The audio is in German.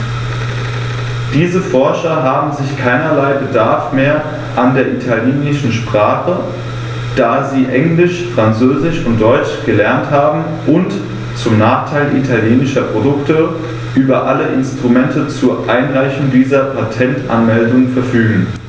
Diese Forscher haben sicher keinerlei Bedarf mehr an der italienischen Sprache, da sie Englisch, Französisch und Deutsch gelernt haben und, zum Nachteil italienischer Produkte, über alle Instrumente zur Einreichung dieser Patentanmeldungen verfügen.